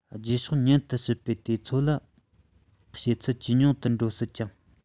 རྗེས ཕྱོགས མཉམ དུ གཤིབ པའི དུས ཚོད ལ བྱེད ཚད ཇེ ཉུང དུ འགྲོ སྲིད ཅིང